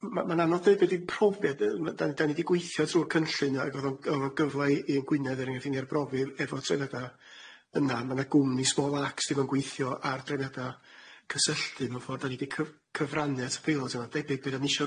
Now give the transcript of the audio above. Ma' ma'n annodd deud be di profiad yy ma' dani dani di gweithio trw'r cynllun ag o'dd o'n o'n gyfle i i Gwynedd er enghraiff i ni arbrofi efo drefneda yna ma' na gwmni small arcs di fo'n gweithio ar drefniada cysylltu mewn ffor' dani di cyf- cyfrannu at y peilot yma debyg be' nawn ni isio